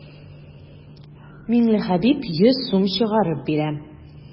Миңлехәбиб йөз сум чыгарып бирә.